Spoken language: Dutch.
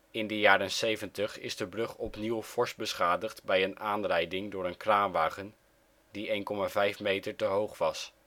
In de jaren zeventig is de brug opnieuw fors beschadigd bij een aanrijding door een kraanwagen die 1,5 meter te hoog was